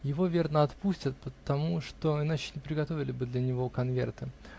Его, верно, отпустят, потому что иначе не приготовили бы для него конверта.